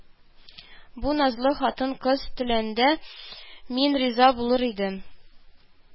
Бу назлы хатын-кыз телендә «Мин риза булыр идем»